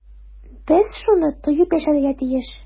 Без шуны тоеп яшәргә тиеш.